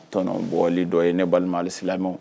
Tɔnɔbɔli dɔ ye ne balima alisilamɛw!